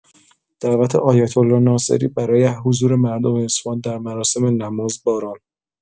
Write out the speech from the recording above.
دعوت آیت‌الله ناصری برای حضور مردم اصفهان در مراسم نماز باران